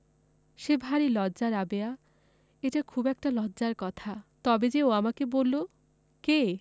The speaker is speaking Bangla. সে ভারী লজ্জা রাবেয়া এটা খুব একটা লজ্জার কথা তবে যে ও আমাকে বললো কে